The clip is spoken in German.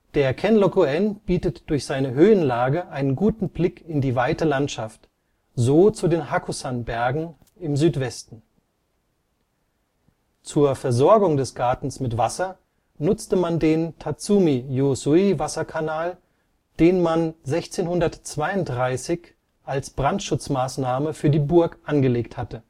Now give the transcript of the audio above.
Der Kenroku-en bietet durch seine Höhenlage einen guten Blick in die weite Landschaft, so zu den Hakusan-Bergen im Südwesten. Zur Versorgung des Gartens mit Wasser nutzte man den " Tatsumi-yōsui " [Anm 1] Wasserkanal, den man 1632 Wasser als Brandschutzmaßnahme für die Burg angelegt hatte